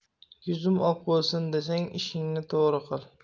yuzim oq bo'lsin desang ishingni to'g'ri qil